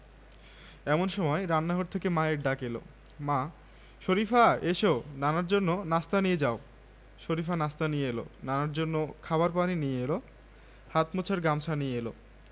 আগে আমি যাই তো খোকন বাদশার সঙ্গে বাইরের ঘরে শোয় খোকন রাতে বলে আমাকে একটা প্লেন কিনে দিবে চাচা খুব বড় দেখে প্লেন প্লেন একটা প্লেন কিনতে কত টাকা লাগে জানিস কোটি কোটি টাকা